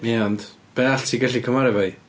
Ia ond... be arall ti gallu cymharu fo i?